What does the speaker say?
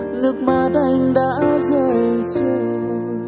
nước mắt anh đã rơi rồi